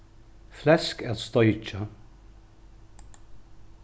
flesk at steikja